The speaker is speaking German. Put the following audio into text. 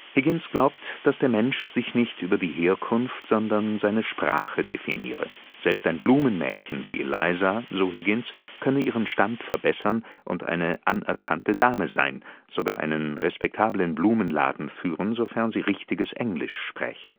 Higgins glaubt, dass der Mensch sich nicht über die Herkunft, sondern seine Sprache definiere; selbst ein Blumenmädchen wie Eliza, so Higgins, könne ihren Stand verbessern und eine anerkannte Dame sein, sogar einen respektablen Blumenladen führen, sofern sie richtiges Englisch spräche